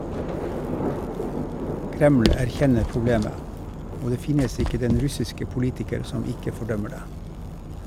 Kreml erkjenner problemet , og det finnes ikke den russiske politiker som ikke fordømmer det.